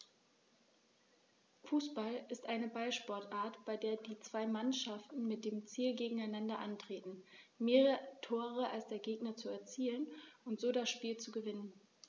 Fußball ist eine Ballsportart, bei der zwei Mannschaften mit dem Ziel gegeneinander antreten, mehr Tore als der Gegner zu erzielen und so das Spiel zu gewinnen.